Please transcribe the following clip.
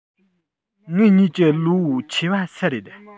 ངེད གཉིས ཀྱི ལོ ཆེ བ སུ རེད